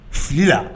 Filila